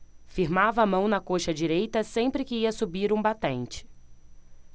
firmava a mão na coxa direita sempre que ia subir um batente